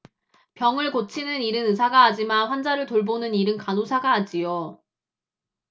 병을 고치는 일은 의사가 하지만 환자를 돌보는 일은 간호사가 하지요